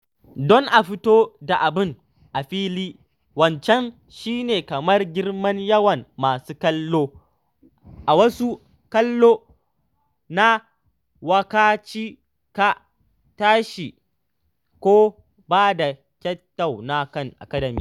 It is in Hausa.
Don a fito da abin a fili, wancan shi ne kamar girman yawan masu kallo a wasan ƙwallo na wa ka ci ka tashi ko ba da Kyaututtukan Academy.